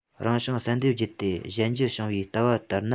རང བྱུང བསལ འདེམས བརྒྱུད དེ གཞན འགྱུར བྱུང བའི ལྟ བ ལྟར ན